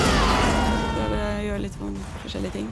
Prøver å gjøre litt sånn forskjellige ting.